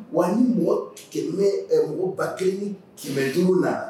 Wa ni mɔgɔ mɔgɔ ba kelen kɛmɛ duuru na